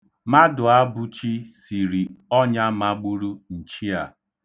Madụabuchi siri ọnya magburu nchi a.